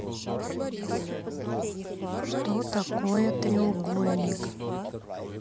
что такое треугольник